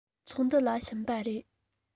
ཚོགས འདུ ལ ཕྱིན པ རེད